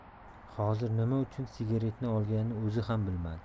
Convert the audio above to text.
hozir nima uchun sigaretni olganini o'zi ham bilmadi